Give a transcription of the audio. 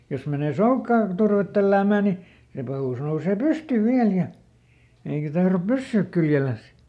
jos menee soukkaan turvetta tälläämään niin se pahus nousee pystyyn vielä ja eikä tahdo pysyä kyljellänsä